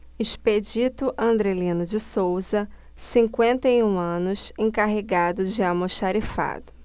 expedito andrelino de souza cinquenta e um anos encarregado de almoxarifado